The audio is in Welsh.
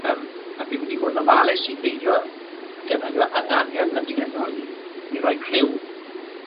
yym a dwi mynd i fod yn ofalus i beidio defnyddio ynganiad naturiol i i roi cliw,